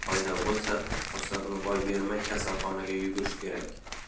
paydo bo'lsa fursatni boy bermay kasalxonaga yugurish kerak